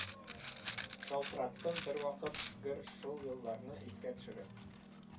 Шалтыраттым бервакыт горшул елларны искә төшереп